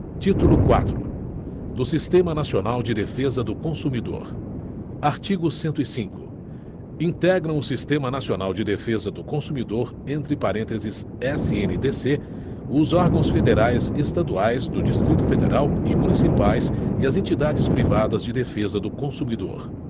título quatro do sistema nacional de defesa do consumidor artigo cento e cinco integram o sistema nacional de defesa do consumidor entre parênteses sndc os órgãos federais estaduais do distrito federal e municipais e as entidades privadas de defesa do consumidor